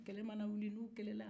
kɛlɛ mana wuli n'u kɛlɛla